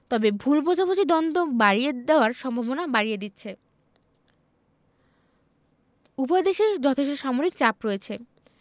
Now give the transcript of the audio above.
তবে ভুল বোঝাবুঝি দ্বন্দ্ব বাড়িয়ে দেওয়ার সম্ভাবনা বাড়িয়ে দিচ্ছে উভয় দেশেই যথেষ্ট সামরিক চাপ রয়েছে